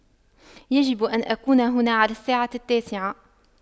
يجب أن أكون هنا على الساعة التاسعة